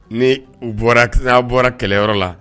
Ni u bɔra ki bɔra kɛlɛyɔrɔ la